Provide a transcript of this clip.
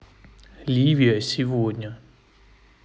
ливия сегодня